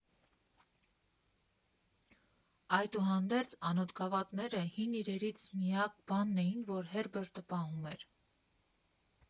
Այդուհանդերձ անոտ գավաթները հին իրերից միակ բանն էին, որ Հերբերտը պահում էր։